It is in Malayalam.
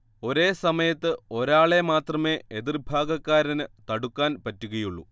ഒരേ സമയത്ത് ഒരാളെ മാത്രമേ എതിര്ഭാഗക്കാരന് തടുക്കാൻ പറ്റുകയുള്ളു